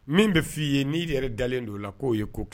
Min bɛ f'i ye n'i yɛrɛ dalenlen don o la k'o ye ko kɛ